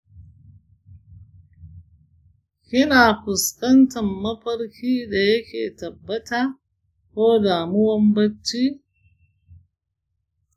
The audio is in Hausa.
kina fuskantan mafarki da yake tabbata ko damuwan bacci?